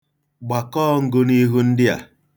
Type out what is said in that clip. Gbakọọ ngụniihu ndị a.